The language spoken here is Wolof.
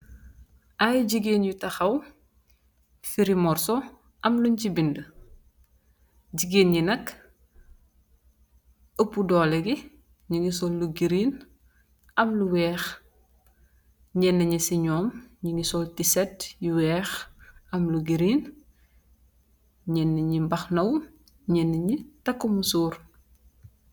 Aye jigeen yu takhaw firi mursoh am lunye si binduh binduh jigeen yi nak opu duleb nyunge sul lu green am lu weex nyeni si nyum nyunge sul t-shirt yu weex am lu green nyeni yi mbakhana wu nyeni yi musoro